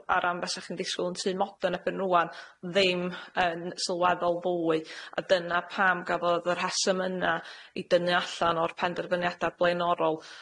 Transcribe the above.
o ran be' sa chi'n disgwl yn tŷ modern ebyn rŵan, ddim yn sylweddol fwy, a dyna pam gafodd y rhesym yna i dynnu allan o'r penderfyniada' blaenorol.